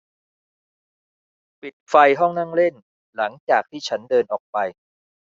ปิดไฟห้องนั่งเล่นหลังจากที่ฉันเดินออกไป